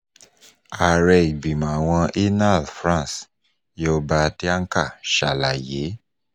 Ààrẹ Ìgbìmọ̀ àwọn Inal-France, Youba Dianka, ṣàlàyé: